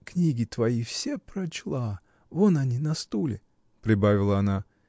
— Книги твои все прочла, вон они, на стуле, — прибавила она.